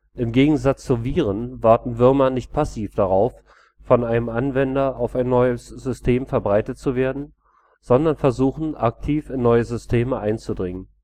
Im Gegensatz zu Viren warten Würmer nicht passiv darauf, von einem Anwender auf einem neuen System verbreitet zu werden, sondern versuchen, aktiv in neue Systeme einzudringen